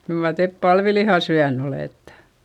kyllä mar te palvilihaa syönyt olette